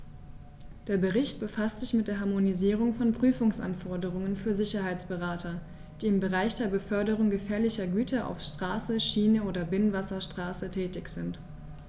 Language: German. Der Bericht befasst sich mit der Harmonisierung von Prüfungsanforderungen für Sicherheitsberater, die im Bereich der Beförderung gefährlicher Güter auf Straße, Schiene oder Binnenwasserstraße tätig sind.